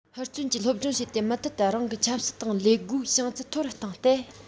ཧུར བརྩོན གྱིས སློབ སྦྱོང བྱས ཏེ མུ མཐུད དུ རང གི ཆབ སྲིད དང ལས སྒོའི བྱང ཚད མཐོ རུ བཏང སྟེ